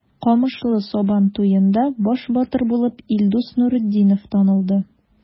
Камышлы Сабан туенда баш батыр булып Илдус Нуретдинов танылды.